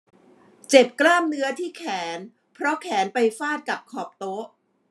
เจ็บกล้ามเนื้อที่แขนเพราะแขนไปฟาดกับขอบโต๊ะ